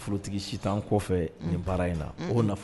si t'an Kɔfɛ,. Un! Ni baara in na. Unhun! O nafa